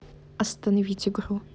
остановить игру